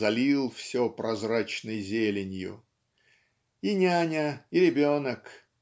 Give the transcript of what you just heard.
залил все прозрачной зеленью" и няня и ребенок